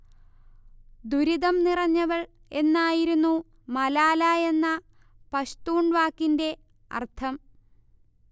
'ദുരിതം നിറഞ്ഞവൾ' എന്നായിരുന്നു മലാല എന്ന പഷ്തൂൺ വാക്കിന്റെ അർഥം